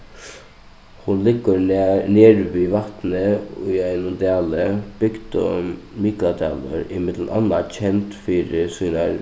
hon liggur nær við vatnið í einum dali bygdin mikladalur er millum annað kend fyri sínar